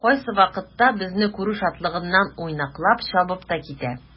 Кайсы вакытта безне күрү шатлыгыннан уйнаклап чабып та китә.